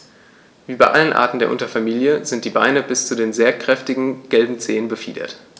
Wie bei allen Arten der Unterfamilie sind die Beine bis zu den sehr kräftigen gelben Zehen befiedert.